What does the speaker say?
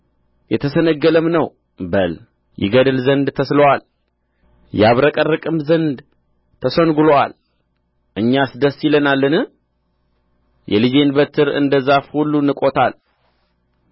የተሰነገለም ነው በል ይገድል ዘንድ ተስሎአል ያብረቀርቅም ዘንድ ተሰንግሎአል እኛስ ደስ ይለናልን የልጄን በትር እንደ ዛፍ ሁሉ ንቆታል